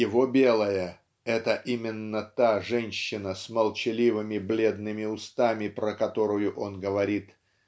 Его белое -- это именно та женщина с молчаливыми бледными устами про которую он говорит